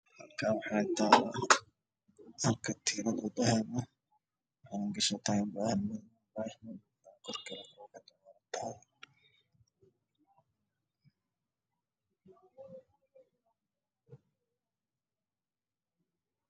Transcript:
Meshan waxaa yaalo boombalo madow ah waxaa luqunta ugu jiro katiin